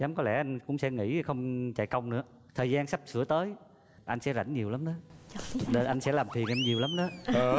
nhắm có lẽ anh cũng sẽ nghĩ không chạy nữa thời gian sắp sửa tới anh sẽ lãnh nhiều lắm nên anh sẽ làm phiền em nhiều lắm á